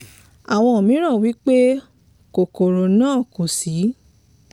Àwọn mìíràn wí pé kòkòrò náà kò sí.